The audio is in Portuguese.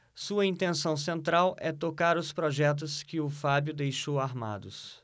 sua intenção central é tocar os projetos que o fábio deixou armados